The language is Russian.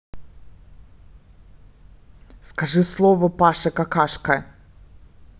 скажи слово паша какашка